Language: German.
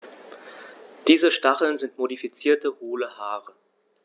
Diese Stacheln sind modifizierte, hohle Haare.